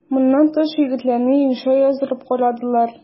Моннан тыш егетләрне инша яздырып карадылар.